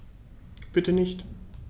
Bitte nicht.